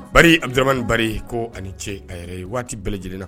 Bari Abudaramani Bari ko a ni ce a yɛrɛ waati bɛɛ lajɛlen na